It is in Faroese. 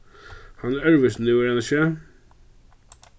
hann er øðrvísi nú er hann ikki